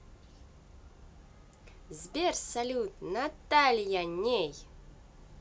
сбер салют наталья ней